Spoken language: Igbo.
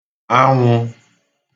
anwụ̄